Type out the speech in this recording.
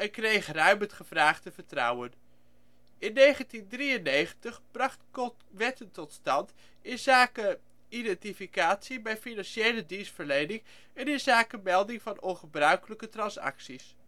kreeg (ruim) het gevraagde vertrouwen. In 1993 bracht Kok wetten tot stand inzake identificatie bij financiële dienstverlening en inzake melding van ongebruikelijke transacties